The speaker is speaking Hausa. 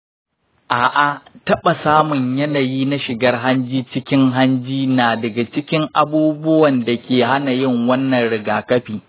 a’a, taɓa samun yanayi na shigar hanji cikin hanji na daga cikin abubuwan da ke hana yin wannan rigakafi.